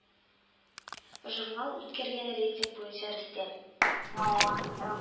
Журнал үткәргән рейтинг буенча рөстәм